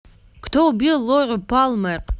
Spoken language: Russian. кто убил лору палмер